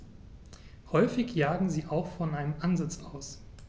Häufig jagen sie auch von einem Ansitz aus.